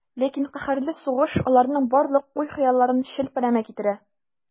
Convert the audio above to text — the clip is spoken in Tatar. Ләкин каһәрле сугыш аларның барлык уй-хыялларын челпәрәмә китерә.